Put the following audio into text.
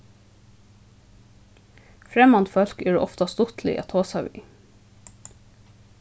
fremmand fólk eru ofta stuttlig at tosa við